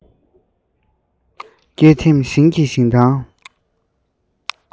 སྐེས ཐེམ བཞིན གྱི ཞིང ཐང